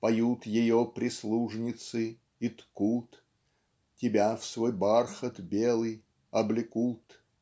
Поют ее прислужницы и ткут, Тебя в свой бархат белый облекут,